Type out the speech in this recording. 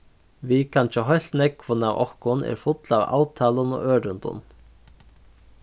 vikan hjá heilt nógvum av okkum er full av avtalum og ørindum